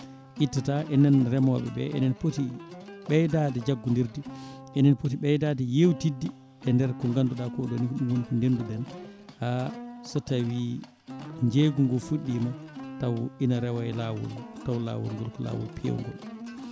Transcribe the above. ittata en remoɓeɓe enen pooti ɓeydade jaggodirde enen pooti ɓeydade yewtidde e nder ko ganduɗa koɗo ni ɗum woni ko ndendu ɗen ha so tawi jeygu ngu fudɗima taw ina reewa e lawol taw lawol ngol ko lawol pewgol